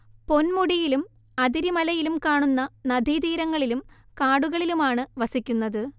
പൊന്മുടിയിലും അതിരിമലയിലും കാണുന്ന നദീതീരങ്ങളിലും കാടുകളിലുമാണ് വസിക്കുനത്